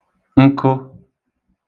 nkụ